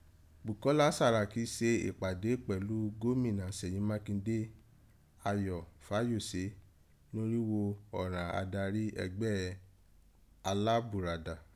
Bukọla Saraki se ìpàdé pẹ̀lú gómínà Ṣeyi Makinde, Ayo Fayoṣe norígho ọ̀ràn adarí ẹgbẹ́ Alábùradà